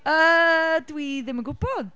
Yy, dwi ddim yn gwbod.